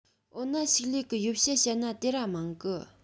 འོ ན ཕྱུགས ལས གི ཡོ བྱད བཤད ན དེ ར མང གི